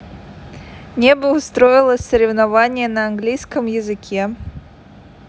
небо устроило соревнование на английском языке